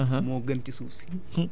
ñu delloowaat ko ci suuf si